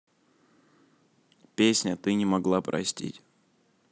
песня ты не могла простить